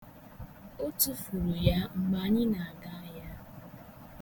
O tufuru ya mgbe anyi na-aga ahịa.